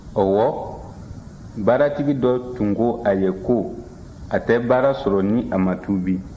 ɔwɔ baaratigi dɔ tun ko a ye ko a te baara sɔrɔ ni a ma tuubi